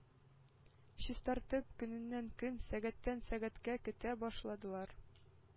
Чистартып көннән-көн, сәгатьтән-сәгатькә көтә башладылар,